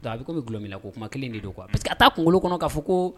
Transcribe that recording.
A bɛ bɛ dulɔ minna oo kuma kelen de don kuwa parce que ka taaa kunkolo kɔnɔ ka fɔ ko